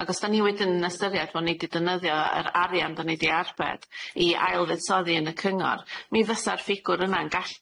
Ag os da ni wedyn yn ystyried bo' ni di defnyddio yr arian da ni di arbed i ailfuddsoddi yn y cyngor mi fysa'r ffigwr yna'n gall-